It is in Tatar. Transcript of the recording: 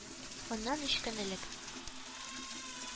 Моннан өч көн элек